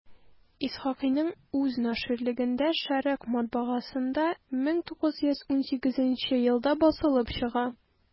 Исхакыйның үз наширлегендә «Шәрекъ» матбагасында 1918 елда басылып чыга.